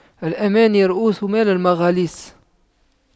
الأماني رءوس مال المفاليس